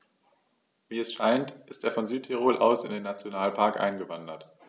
Wie es scheint, ist er von Südtirol aus in den Nationalpark eingewandert.